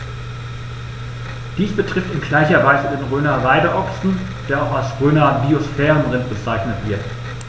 Dies betrifft in gleicher Weise den Rhöner Weideochsen, der auch als Rhöner Biosphärenrind bezeichnet wird.